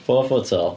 Four foot tall.